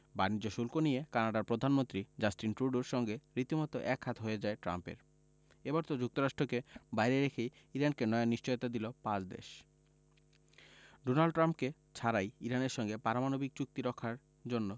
বাণিজ্য শুল্ক নিয়ে কানাডার প্রধানমন্ত্রী জাস্টিন ট্রুডোর সঙ্গে রীতিমতো একহাত হয়ে যায় ট্রাম্পের এবার তো যুক্তরাষ্ট্রকে বাইরে রেখেই ইরানকে নয়া নিশ্চয়তা দিল পাঁচ দেশ ডোনাল্ড ট্রাম্পকে ছাড়াই ইরানের সঙ্গে পারমাণবিক চুক্তি রক্ষার জন্য